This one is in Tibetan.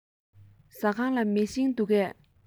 ཟ ཁང ལ མེ ཤིང འདུག གས